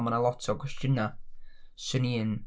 Ma' na lot o gwestiynau 'swn i yn...